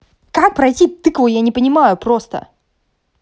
как пройти тыкву я не понимаю просто